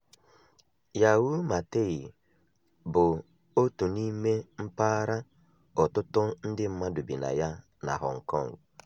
Yau Ma Tei bụ otu n'ime mpaghara ọtụtụ ndị mmadụ bi na ya na Hong Kong.